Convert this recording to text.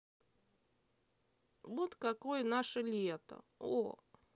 вот какое наше лето о